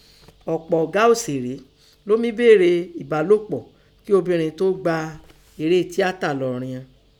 Ọ̀pọ̀ ọ̀gá òsèré lọ́ mí bèèrè ẹ̀bálòpọ̀ kẹ obìrin tó gba eré tíátà lọ́ọ́ rian.